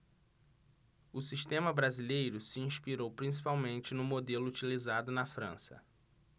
o sistema brasileiro se inspirou principalmente no modelo utilizado na frança